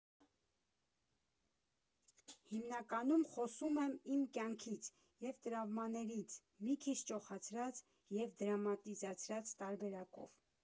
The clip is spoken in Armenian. Հիմնականում խոսում եմ իմ կյանքից և տրավմաներից՝ մի քիչ ճոխացրած և դրամատիզացրած տարբերակով։